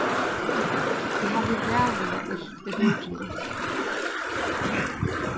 eg havi ræðuliga ilt í búkinum